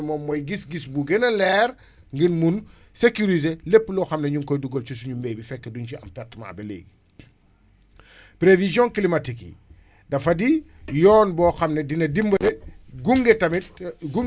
ngir mun sécuriser lépp loo xam ne énu ngi koy dugal ci suñu mbéy mi fekk duñ si am paretement ba léegi prévision climatique yi dafa di yoon boo xam ne dina dimbali gunge tamit gunge ñu ci jamono yii nga xam ne toll nañ ci